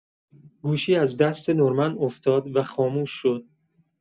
گوشی از دست نورمن افتاد و خاموش شد.